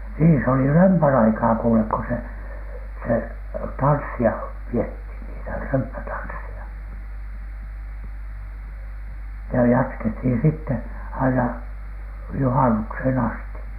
niin se oli römpän aikaa kuule kun se se tanssia pidettiin niitä römppätansseja ja jatkettiin sitten aina juhannukseen asti